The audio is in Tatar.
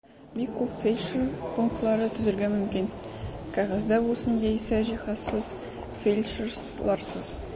Бик күп фельдшер пунктлары төзергә мөмкин (кәгазьдә булсын яисә җиһазсыз, фельдшерларсыз).